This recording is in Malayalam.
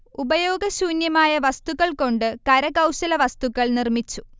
ഉപയോഗശൂന്യമായ വസ്തുക്കൾ കൊണ്ട് കരകൗശല വസ്തുക്കൾ നിർമിച്ചു